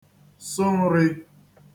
sụ nrī